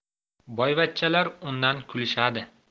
boyvachchalar undan kulishadi